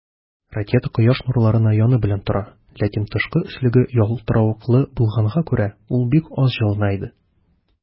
Ракета Кояш нурларына яны белән тора, ләкин тышкы өслеге ялтыравыклы булганга күрә, ул бик аз җылына иде.